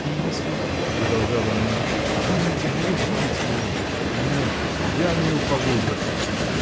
— И если, — продолжала она, — вам не тяжело видеть его. — Нет. я не упаду в обморок.